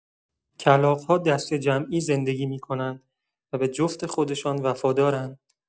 کلاغ‌ها دسته‌جمعی زندگی می‌کنند و به جفت خودشان وفادارند.